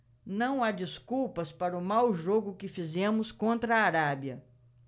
não há desculpas para o mau jogo que fizemos contra a arábia